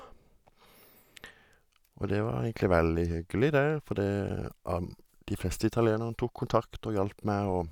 Og det var egentlig veldig hyggelig, det, fordi am de fleste italienerne tok kontakt og hjalp meg og...